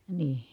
niin